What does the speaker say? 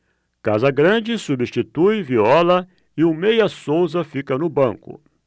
casagrande substitui viola e o meia souza fica no banco